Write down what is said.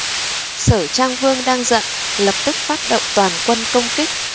sở trang vương đang giận lập tức phát động toàn quân công kích